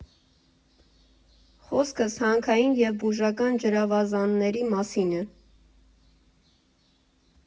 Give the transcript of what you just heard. Խոսքս հանքային և բուժական ջրավազանների մասին է։